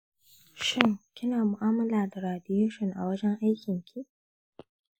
shin kina mu'amala da radiation a wajen akin ki?